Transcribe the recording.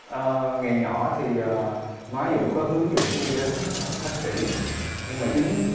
ờ ngày nhỏ thì à má dũng có hướng dũng đi đến bác sĩ nhưng mà chính